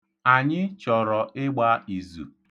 Anyị chọrọ ịgba izu.